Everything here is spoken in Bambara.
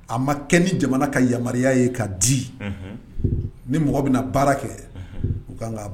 A ma kɛ ni jamana ka yamaruya ye ka di ni mɔgɔ bɛ na baara kɛ u ka kan